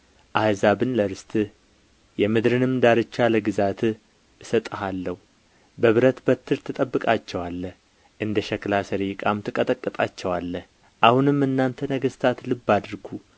አሕዛብን ለርስትህ የምድርንም ዳርቻ ለግዛትህ እሰጥሃለሁ በብረት በትር ትጠብቃቸዋለህ እንደ ሸክላ ሠሪ ዕቃዎች ትቀጠቅጣቸዋለህ አሁንም እናንት ነገሥታት ልብ አድርጉ